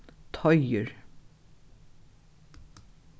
teigur